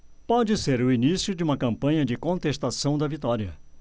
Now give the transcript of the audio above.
pode ser o início de uma campanha de contestação da vitória